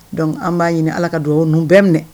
Dɔnkuc an b'a ɲini ala ka dugawu n bɛ minɛ